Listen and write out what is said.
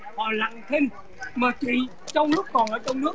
họ lặng thinh mà thì trong lúc còn ở trong nước